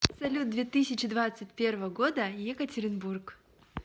салют две тысячи двадцать первого года екатеринбург